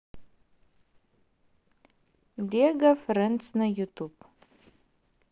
лего френдс на ютуб